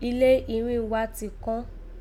Ilé iwín wá ti kọ́n